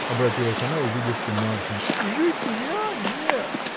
— обратилась она, увидевши Марфиньку, — житья нет!